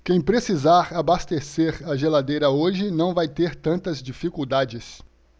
quem precisar abastecer a geladeira hoje não vai ter tantas dificuldades